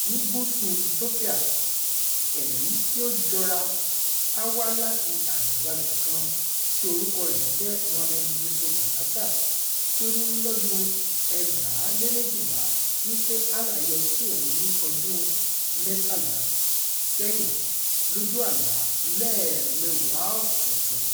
Ní gúúsù Ethiopia, ẹ̀rí tí ó jọra á wá láti àgbàlagbà kan tí orúkọ rẹ̀ ń jẹ́ Mohammed Yiso Banatah, tí ó ní lọ́dún-un 2012 wípé Allah yọ sí òun ní ọdún 33 sẹ́yìn lójú àlá lẹ́ẹ̀mẹwàá ọ̀tọ̀ọ̀tọ̀.